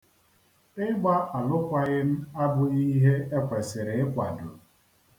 Ịgba alụkwaghịm abụghi ihe e kwesịrị ịkwado.